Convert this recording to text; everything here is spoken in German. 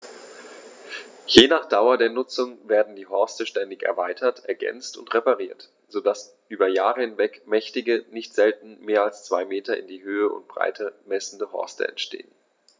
Je nach Dauer der Nutzung werden die Horste ständig erweitert, ergänzt und repariert, so dass über Jahre hinweg mächtige, nicht selten mehr als zwei Meter in Höhe und Breite messende Horste entstehen.